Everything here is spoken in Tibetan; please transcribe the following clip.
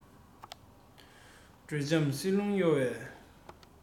དྲོད འཇམ བསིལ རླུང གཡོ བའི